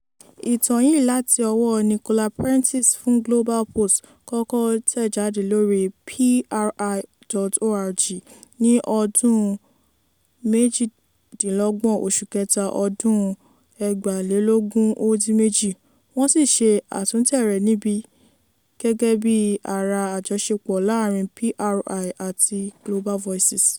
Ìtàn yìí láti ọwọ́ Nicola Prentis fún Global post kókó jẹ jáde lórí PRI.org ní ọjọ́ 28 oṣù Kẹta, ọdún 2018, wọ́n sì ṣe àtúntẹ̀ rẹ̀ níbi gẹ́gẹ́ bíi ara àjọṣepọ̀ láàárín PRI àti Global Voices.